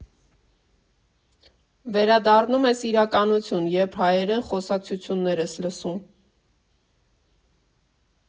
Վերադառնում ես իրականություն, երբ հայերեն խոսակցություններ ես լսում։